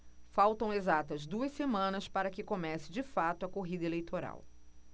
faltam exatas duas semanas para que comece de fato a corrida eleitoral